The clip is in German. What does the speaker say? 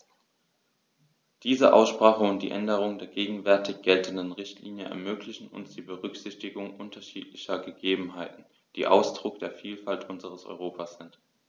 Diese Aussprache und die Änderung der gegenwärtig geltenden Richtlinie ermöglichen uns die Berücksichtigung unterschiedlicher Gegebenheiten, die Ausdruck der Vielfalt unseres Europas sind.